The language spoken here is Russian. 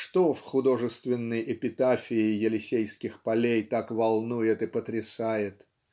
что в художественной эпитафии "Елисейских полей" так волнует и потрясает